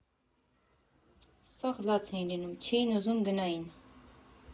Սաղ լաց էին լինում, չէին ուզում գնային։